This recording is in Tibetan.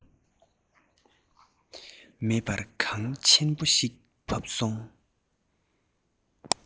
མེད པར གངས ཆེན པོ ཞིག བབས སོང